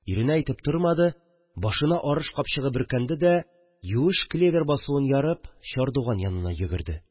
Иренә әйтеп тормады, башына арыш капчыгы бөркәнде дә, юеш клевер басуын ярып чардуган янына йөгерде